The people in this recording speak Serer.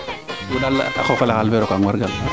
a qoqale xalis fee rokaan wargal